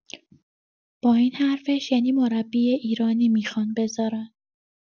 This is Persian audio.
با این حرفش یعنی مربی ایرانی میخوان بزارن.